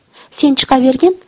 sen chiqavergin